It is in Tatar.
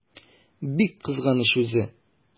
Бик кызганыч үзе!